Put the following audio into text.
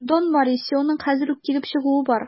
Дон Морисионың хәзер үк килеп чыгуы бар.